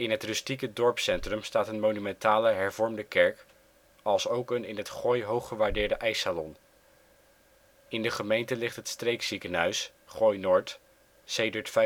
het rustieke dorpscentrum staat een monumentale Hervormde Kerk, alsook een in het Gooi hoog gewaardeerde ijssalon. In de gemeente ligt het streekziekenhuis Gooi-Noord (sedert